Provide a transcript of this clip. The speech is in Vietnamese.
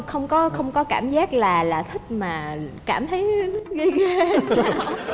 không có không có cảm giác là là thích mà cảm thấy ghê ghê thế nào